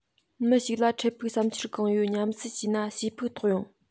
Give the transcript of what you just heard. མི ཞིག ལ འཕྲལ ཕུགས བསམ འཆར གང ཡོད ཉམས སད བྱས ན ཞེ ཕུགས རྟོགས ཡོང